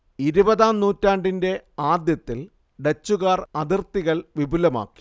ഇരുപതാം നൂറ്റാണ്ടിന്റെ ആദ്യത്തിൽ ഡച്ചുകാർ അതിർത്തികൾ വിപുലമാക്കി